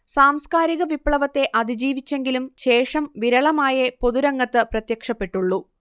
സാംസ്കാരിക വിപ്ലവത്തെ അതിജീവിച്ചെങ്കിലും ശേഷം വിരളമായെ പൊതുരംഗത്ത് പ്രത്യ്ക്ഷപ്പെട്ടുള്ളൂ